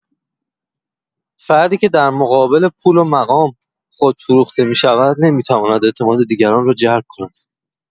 فردی که در مقابل پول و مقام، خودفروخته می‌شود، نمی‌تواند اعتماد دیگران را جلب کند.